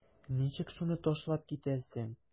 Ничек шуны ташлап китәсең?